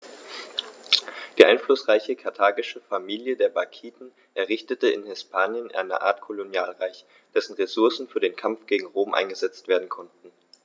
Die einflussreiche karthagische Familie der Barkiden errichtete in Hispanien eine Art Kolonialreich, dessen Ressourcen für den Kampf gegen Rom eingesetzt werden konnten.